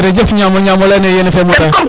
jerejef Niamo leyne yene fe mota